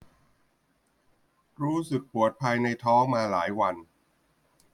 รู้สึกปวดภายในท้องมาหลายวัน